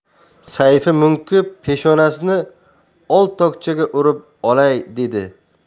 sayfi munkib peshonasini oldtokchaga urib olay dedi